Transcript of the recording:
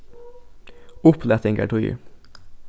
upplatingartíðir